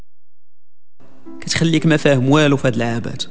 خليك مثل المويه